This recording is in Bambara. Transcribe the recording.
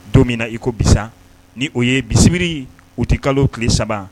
Don min na iko bi ni o ye bisimilasibiri u tɛ kalo tile saba